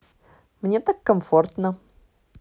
мне так комфортно